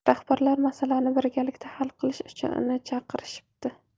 rahbarlar masalani birgalikda hal qilish uchun uni chaqirishibdi